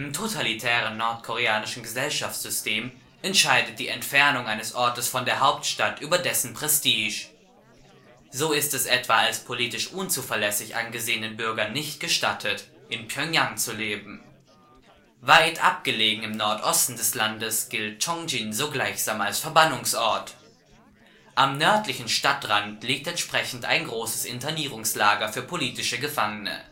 totalitären nordkoreanischen Gesellschaftssystem entscheidet die Entfernung eines Ortes von der Hauptstadt über dessen Prestige. So ist es etwa als politisch unzuverlässig angesehenen Bürgern nicht gestattet, in Pjöngjang zu leben. Weit abgelegen im Nordosten des Landes gilt Ch’ ŏngjin so gleichsam als Verbannungsort. Am nördlichen Stadtrand liegt entsprechend ein großes Internierungslager für politische Gefangene